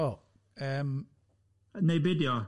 O yym Nei be ydy o?